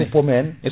e suppome en